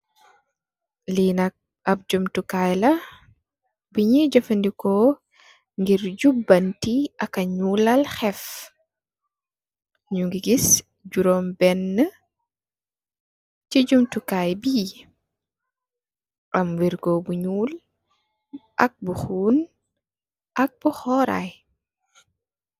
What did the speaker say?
Lee nak ab jumtukayla bunuy jefaneku girr jubante aka njolal heff nuge giss jurum bena se jumtukaybe am wergu bu njol ak bu hun ak bu kuraye.